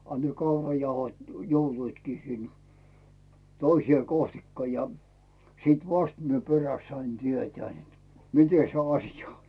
a ne kaurajauhot joutuivatkin sinne toiseen kohtikka ja sitten vasta minä perästä sain tietää että miten se asia on